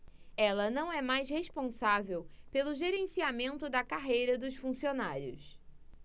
ela não é mais responsável pelo gerenciamento da carreira dos funcionários